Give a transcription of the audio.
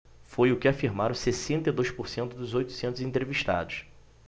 foi o que afirmaram sessenta e dois por cento dos oitocentos entrevistados